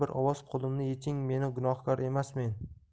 ovoz qo'limni yeching men gunohkor emasmen